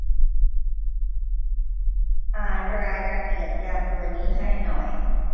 อ่านรายละเอียดยาตัวนี้ให้หน่อย